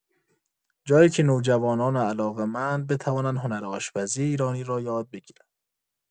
جایی که نوجوانان علاقه‌مند بتوانند هنر آشپزی ایرانی را یاد بگیرند.